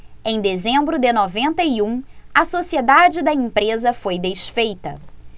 em dezembro de noventa e um a sociedade da empresa foi desfeita